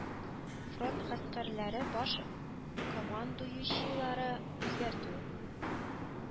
Фронт гаскәрләре баш командующийлары үзгәртү